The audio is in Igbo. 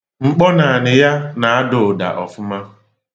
Mkpọnaanị ya na-ada ụda ọfụma.